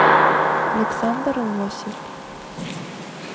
александр лосев